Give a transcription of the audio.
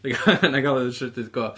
Wna i gael o wna i gael o ar y trydydd go.